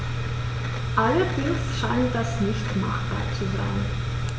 Allerdings scheint das nicht machbar zu sein.